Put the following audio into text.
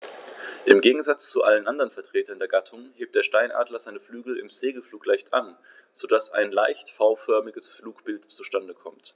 Im Gegensatz zu allen anderen Vertretern der Gattung hebt der Steinadler seine Flügel im Segelflug leicht an, so dass ein leicht V-förmiges Flugbild zustande kommt.